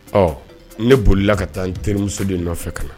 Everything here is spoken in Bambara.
Ɔ ne bolila ka taa n terimuso de nɔfɛ ka na